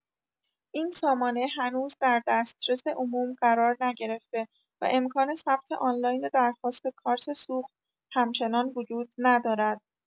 این سامانه هنوز در دسترس عموم قرار نگرفته و امکان ثبت آنلاین درخواست کارت سوخت همچنان وجود ندارد.